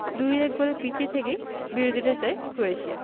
২ ১ গোলে পিছিয়ে থেকেই বিরতিতে যায় ক্রোয়েশিয়া